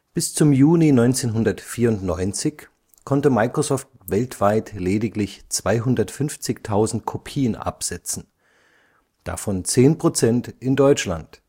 Bis zum Juni 1994 konnte Microsoft weltweit lediglich 250.000 Kopien absetzen, davon zehn Prozent in Deutschland